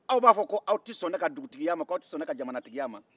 aw b'a fɔ ko aw te sɔn ne ka dugutiya ma aw tɛ sɔn ne ka jamanatigiya ma